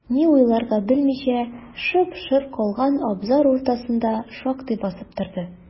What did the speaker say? Ни уйларга белмичә, шып-шыр калган абзар уртасында шактый басып торды.